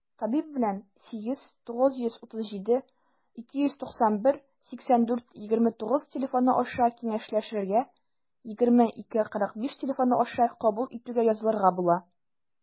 Табиб белән 89372918429 телефоны аша киңәшләшергә, 20-2-45 телефоны аша кабул итүгә язылырга була.